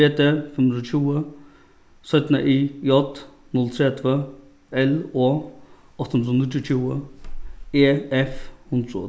v d fimm hundrað og tjúgu y j null tretivu l o átta hundrað og níggjuogtjúgu e f hundrað og